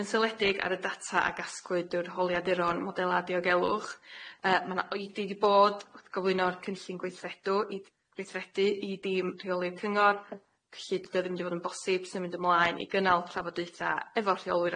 yn syledig ar y data a gasgwyd dwy'r holiaduron modela diogelwch yy ma' na oedi di bod w'th gyflwyno'r cynllun gweithredu i d- gweithredu i dîm rheoli'r cyngor cyllid dydi o ddim di fod yn bosib symud ymlaen i gynnal trafodaetha efo rheolwyr